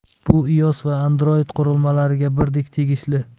bu ios va android qurilmalariga birdek tegishli